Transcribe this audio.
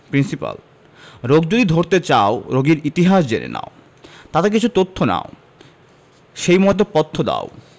principal রোগ যদি ধরতে চাও রোগীর ইতিহাস জেনে নাও তাতে কিছু তথ্য নাও সেই মত পথ্য দাও